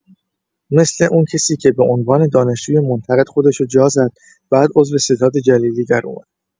مثل اون کسی که به عنوان دانشجوی منتقد خودشو جا زد بعد عضو ستاد جلیلی دراومد!